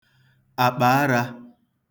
àkpàarā